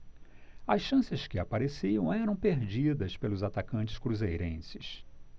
as chances que apareciam eram perdidas pelos atacantes cruzeirenses